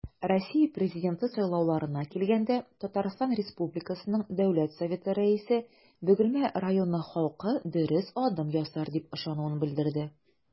Россия Президенты сайлауларына килгәндә, ТР Дәүләт Советы Рәисе Бөгелмә районы халкы дөрес адым ясар дип ышануын белдерде.